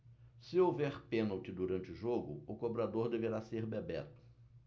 se houver pênalti durante o jogo o cobrador deverá ser bebeto